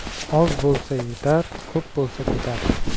oz bo'lsa yetar ko'p bo'lsa ketar